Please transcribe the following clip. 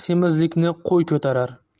semizlikni qo'y ko'tarar